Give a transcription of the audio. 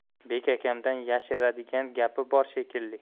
bek akamdan yashiradigan gapi bor shekilli